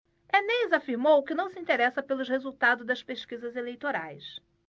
enéas afirmou que não se interessa pelos resultados das pesquisas eleitorais